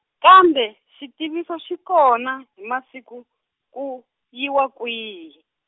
kambe xivutiso xi kona hi masiku, ku, yiwa kwihi?